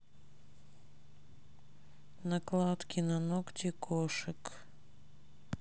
накладки на когти кошек